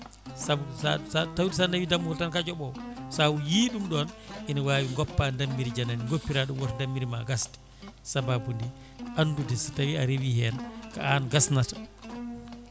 saabu sa sa tawde sa naawi dammuwol tan ka jooɓowo sa yii ɗum ɗon ene wawi goppa dammiri janandi goppiraɗum woto dammirima gasde sababude andude so tawi a reewi hen ko an gasnata